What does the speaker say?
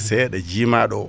seeɗa jiimaɗo o